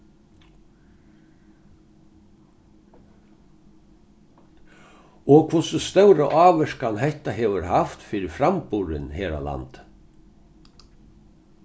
og hvussu stóra ávirkan hetta hevur havt fyri framburðin her á landi